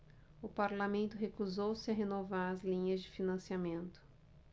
o parlamento recusou-se a renovar as linhas de financiamento